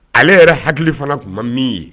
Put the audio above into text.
Ale yɛrɛ hakili fana tuma min ye